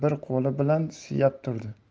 bir qo'li bilan suyab turdi